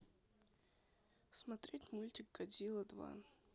смотреть мультик годзилла два